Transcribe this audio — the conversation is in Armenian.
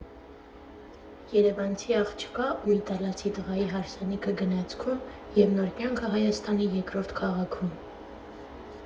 Երևանցի աղջկա ու իտալացի տղայի հարսանիքը գնացքում և նոր կյանքը Հայաստանի երկրորդ քաղաքում։